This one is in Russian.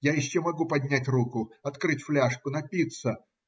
Я еще могу поднять руку, открыть фляжку, напиться